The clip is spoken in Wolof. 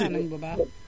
kontaan nañu bu baax